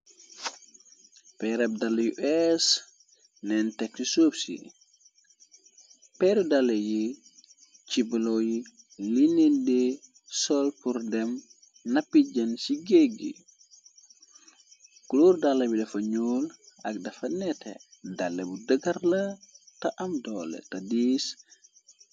peerab dala yu ees neen tecni sops yi peeru dale yi cibalo yi linedee solpur dem napi jan ci géggi clore dala bilafa ñool ak dafa neete dale bu dëgar la ta am doole ta diis